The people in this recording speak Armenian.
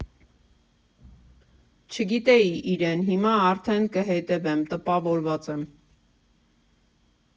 Չգիտեի իրեն, հիմա արդեն կհետևեմ, տպավորված եմ։